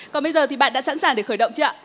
còn bây giờ thì bạn đã sẵn sàng để khởi động chưa ạ